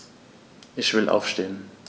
Ich will aufstehen.